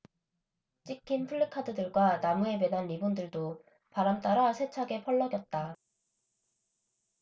찢긴 플래카드들과 나무에 매단 리본들도 바람 따라 세차게 펄럭였다